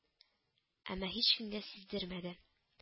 Әмма һичкемгә сиздермәде